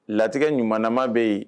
Latigɛ ɲumanaman be yen